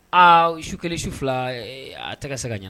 Aa su kelen su fila a tɛ ka segin ka ɲɛ